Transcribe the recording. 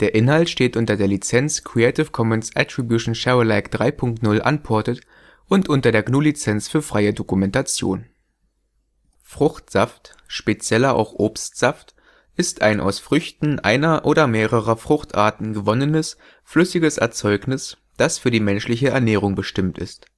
Inhalt steht unter der Lizenz Creative Commons Attribution Share Alike 3 Punkt 0 Unported und unter der GNU Lizenz für freie Dokumentation. Dieser Artikel oder Absatz stellt die Situation in Deutschland dar. Hilf mit, die Situation in anderen Staaten zu schildern. Grapefruit und Orangensaft Fruchtsaft, spezieller auch Obstsaft, ist ein aus Früchten einer oder mehrerer Fruchtarten gewonnenes, flüssiges Erzeugnis, das für die menschliche Ernährung bestimmt ist